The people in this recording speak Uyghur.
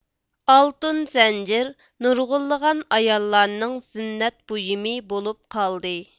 ئالتۇن زەنجىر نۇرغۇنلىغان ئاياللارنىڭ زىننەت بۇيۇمى بولۇپ قالدى